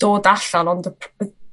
dod allan ond y pr- y